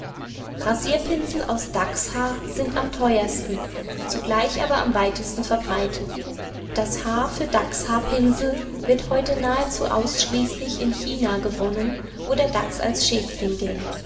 Rasierpinsel aus Dachshaar sind am teuersten, zugleich aber am weitesten verbreitet. Das Haar für Dachshaarpinsel wird heute nahezu ausschließlich in China gewonnen, wo der Dachs als Schädling gilt